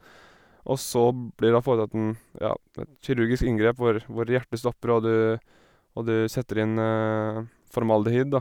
Og så blir det da foretatt, en ja, et kirurgisk inngrep hvor hvor hjertet stopper, og du og du setter inn formaldehyd, da.